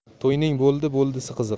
to'yning bo'ldi bo'ldisi qiziq